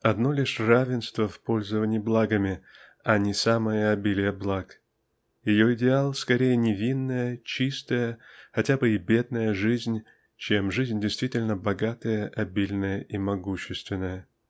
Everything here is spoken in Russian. одно лишь равенство в пользовании благами а не самое обилие благ ее идеал--скорее невинная чистая хотя бы и бедная жизнь чем жизнь действительно богатая обильная и могущественная.